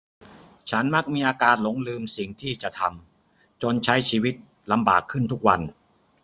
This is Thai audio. ฉันมักมีอาการหลงลืมสิ่งที่จะทำจนใช้ชีวิตลำบากขึ้นทุกวัน